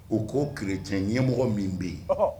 O ko kerec ɲɛmɔgɔ min bɛ yen